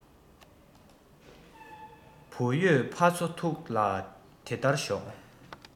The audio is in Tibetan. བུ ཡོད ཕ ཚོ ཐུགས ལ དེ ལྟར ཞོག